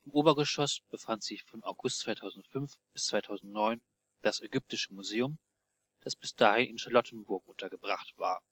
Obergeschoss befand sich von August 2005 bis 2009 das Ägyptische Museum, das bis dahin in Charlottenburg untergebracht war